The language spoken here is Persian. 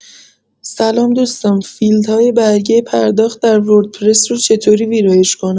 سلام دوستان فیلدهای برگه پرداخت در وردپرس رو چطوری ویرایش کنم؟